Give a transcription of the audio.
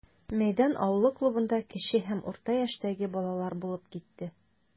Мәйдан авылы клубында кече һәм урта яшьтәге балалар булып китте.